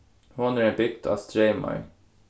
hon er ein bygd á streymoy